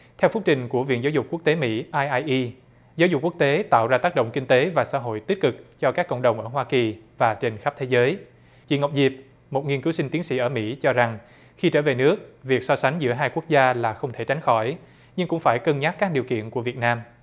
theo phúc trình của viện giáo dục quốc tế mỹ ai ai y giáo dục quốc tế tạo ra tác động kinh tế và xã hội tích cực cho các cộng đồng ở hoa kỳ và trên khắp thế giới chị ngọc diệp một nghiên cứu sinh tiến sĩ ở mỹ cho rằng khi trở về nước việc so sánh giữa hai quốc gia là không thể tránh khỏi nhưng cũng phải cân nhắc các điều kiện của việt nam